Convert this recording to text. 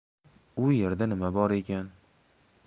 u yerda nima bor ekan